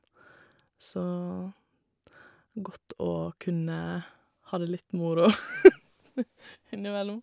Så godt å kunne ha det litt moro innimellom.